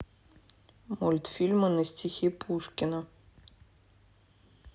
мультфильмы на стихи пушкина